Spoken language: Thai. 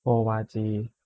โกวาจี